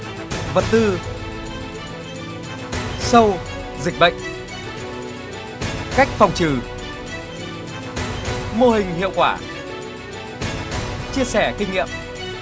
vật tư sâu dịch bệnh cách phòng trừ mô hình hiệu quả chia sẻ kinh nghiệm